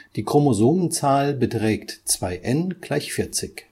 Die Chromosomenzahl beträgt 2n = 40.